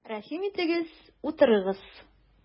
Рәхим итегез, утырыгыз!